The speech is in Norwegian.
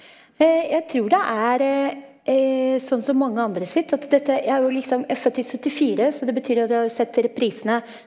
jeg tror det er sånn som mange andre sitt at dette jeg er jo liksom jeg er født i syttifire, så det betyr at jeg har sett reprisene.